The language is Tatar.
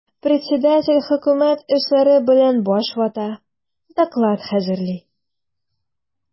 Председатель хөкүмәт эшләре белән баш вата, доклад хәзерли.